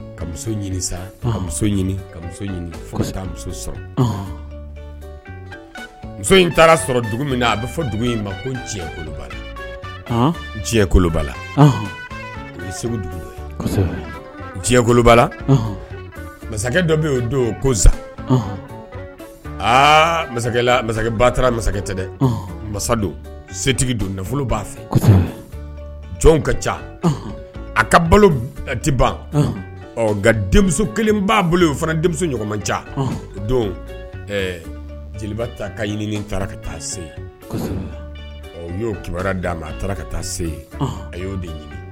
Ka muso ɲini sa muso ɲini ka muso ɲini fo taa muso sɔrɔ muso in taara sɔrɔ dugu min na a bɛ fɔ dugu in ma kokoloba diɲɛ koloba la o segu dugu diɲɛkolonba la masakɛ dɔ bɛ'o don ko aa masakɛ masakɛba taara masakɛ tɛ dɛ masasa don setigi don nafolo b'a fɛ jɔn ka ca a ka balo tɛ ban nka denmuso kelen b'a bolo o fana denmuso ɲɔgɔnma ca don jeliba ka ɲini taara ka taa se y'o kiba d'a ma a taara ka taa se a y'o de ɲini